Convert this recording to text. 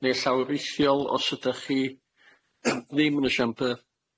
Ne' llaw rithiol os ydach chi ddim yn y siambr.